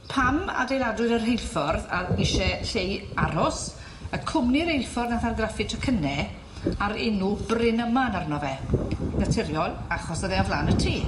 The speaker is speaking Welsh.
Pam adeiladwyd y rheilffordd ar- isie lle i aros y cwmni reilffordd nath argraffu tocynne a'r enw Bryn Aman arno fe naturiol achos o'dd e ar flan y tŷ.